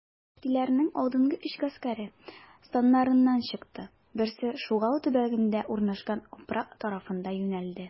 Пелештиләрнең алдынгы өч гаскәре, станнарыннан чыкты: берсе Шугал төбәгендә урнашкан Опра тарафына юнәлде.